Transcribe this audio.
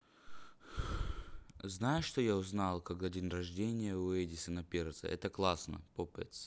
знаешь что я узнала когда день рождения у эдисона перца это классно попец